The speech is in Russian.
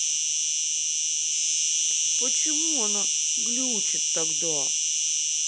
почему она глючит тогда